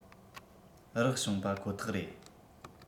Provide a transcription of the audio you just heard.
རག བྱུང པ ཁོ ཐག རེད